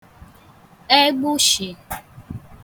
egbụshị